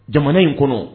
Jamana in kɔnɔ